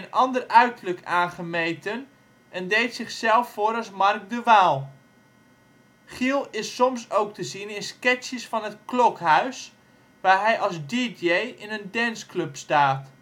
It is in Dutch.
ander uiterlijk aangemeten en deed zichzelf voor als Mark de Waal. Giel is soms ook te zien in sketches van Het Klokhuis, waar hij als DJ in een danceclub staat